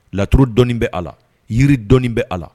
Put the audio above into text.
Laturu dɔɔnni bɛ a la, jiri dɔɔnni bɛ a la.